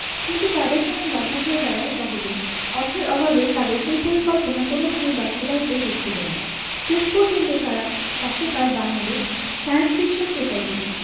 কিন্তু তাদের সামনে বাধা হয়ে দাঁড়ায় তহবিল অর্থের অভাবে তাদের সেই পরিকল্পনা কোনওভাবেই বাস্তবায়িত হচ্ছিল না শেষ পর্যন্ত তারা পাশে পায় বাংলাদেশ সায়েন্স ফিকশন সোসাইটিকে